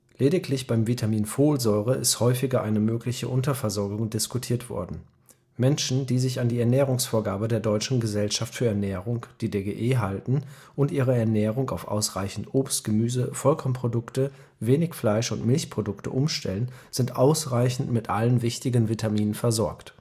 Lediglich beim Vitamin Folsäure ist häufiger eine mögliche Unterversorgung diskutiert worden. Menschen, die sich an die Ernährungsvorgaben der Deutschen Gesellschaft für Ernährung (DGE) halten und ihre Ernährung auf ausreichend Obst, Gemüse, Vollkornprodukte, wenig Fleisch und Milchprodukte umstellen, sind ausreichend mit allen wichtigen Vitaminen versorgt